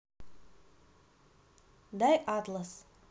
дай атлас